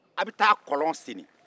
aw bɛ taa kɔlɔn sen